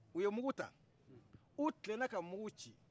u ye mungu ta u tilenna ka mungu ci